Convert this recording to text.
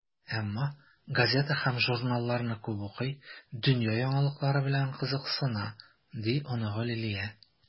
Әмма газета һәм журналларны күп укый, дөнья яңалыклары белән кызыксына, - ди оныгы Лилия.